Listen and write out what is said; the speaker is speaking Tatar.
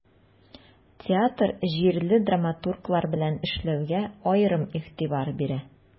Театр җирле драматурглар белән эшләүгә аерым игътибар бирә.